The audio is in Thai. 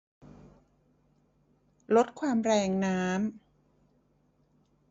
ลดความแรงน้ำ